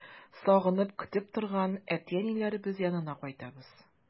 Сагынып көтеп торган әти-әниләребез янына кайтабыз.